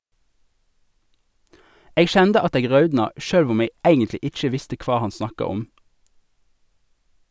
Eg kjende at eg raudna sjølv om eg eigentlig ikkje visste kva han snakka om.